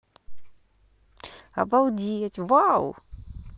обалдеть вау